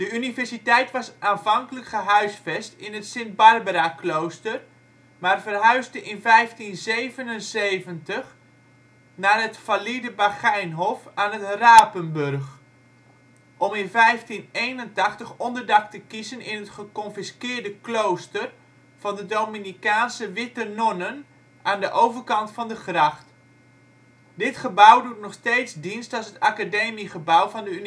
universiteit was aanvankelijk gehuisvest in het Sint Barbaraklooster, maar verhuisde in 1577 naar het Faliede Bagijnhof aan het Rapenburg, om in 1581 onderdak te kiezen in het geconfisqueerde klooster van de dominicaanse Witte Nonnen aan de overkant van de gracht. Dit gebouw doet nog steeds dienst als het Academiegebouw van de